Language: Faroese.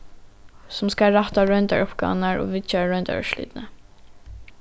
sum skal rætta royndaruppgávurnar og viðgera royndarúrslitini